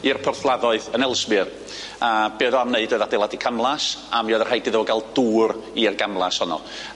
i'r porthladdoedd yn Elsmere a be' o'dd o am neud o'dd adeiladu camlas a mi oedd yn rhaid iddo fo ga'l dŵr i'r gamlas honno